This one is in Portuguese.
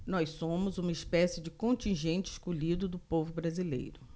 nós somos uma espécie de contingente escolhido do povo brasileiro